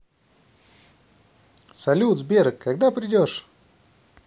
салют сбер когда придешь